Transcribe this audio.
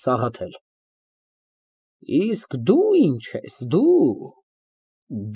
ՍԱՂԱԹԵԼ ֊ Իսկ դո՞ւ ինչ ես, դո՞ւ։